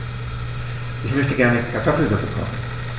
Ich möchte gerne Kartoffelsuppe kochen.